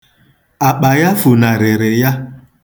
Akpa ya funarịrị ya.